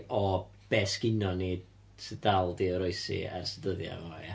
O be sy gennyn ni sy dal 'di oroesi ers dyddiau fo ia.